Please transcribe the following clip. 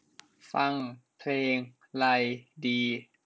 ฟังเพลงไรดี